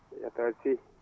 yettoode Sy